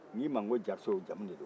n k'i ko jariso jamu de don